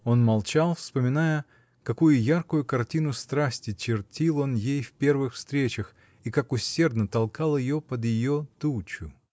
Он молчал, вспоминая, какую яркую картину страсти чертил он ей в первых встречах и как усердно толкал ее под ее тучу.